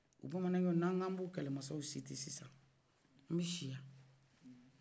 bamananya n'a k'an ba kɛlɛmasaw cite sisan an bɛ siyan